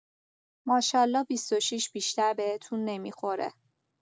ماشالا ۲۶ بیشتر بهتون نمی‌خوره